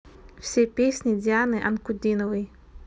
все песни дианы анкудиновой